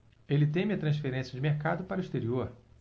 ele teme a transferência de mercado para o exterior